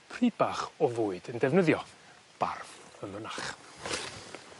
pryd bach o fwyd yn defnyddio barf y mynach.